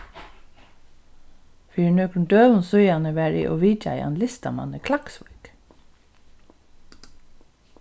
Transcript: fyri nøkrum døgum síðani var eg og vitjaði ein listamann í klaksvík